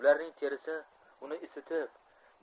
ularning terisi uni isitib